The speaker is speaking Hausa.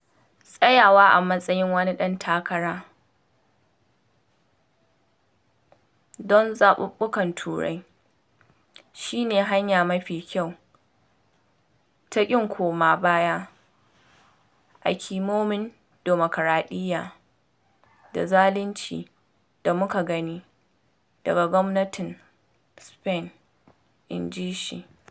“Tsayawa a matsayin wani ɗan takara don zaɓuɓɓukan Turai shi ne hanya mafi kyau ta kin koma baya a ƙimomin dimokuraɗiyya da zalunci da muka gani daga gwamnatin Spain,” inji shi.